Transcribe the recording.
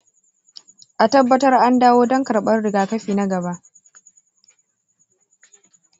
a tabbatar an dawo don karbar rigakafi na gaba